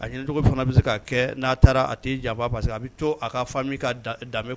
A ɲini cogo fana bɛ se kɛ n' taara a janfa pa to